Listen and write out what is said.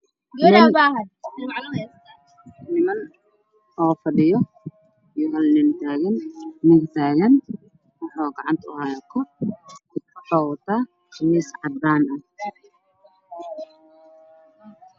Niman fadhiyo iiyo nintaagan wuxu gacantakuhayaa kudh wuxu wataa khamiis cadaano